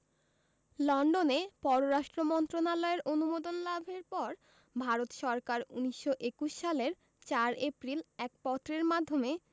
লন্ডনে পররাষ্ট্র মন্ত্রণালয়ের অনুমোদন লাভের পর ভারত সরকার ১৯২১ সালের ৪ এপ্রিল এক পত্রের মাধ্যমে